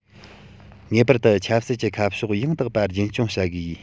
ངེས པར དུ ཆབ སྲིད ཀྱི ཁ ཕྱོགས ཡང དག པ རྒྱུན འཁྱོངས བྱ དགོས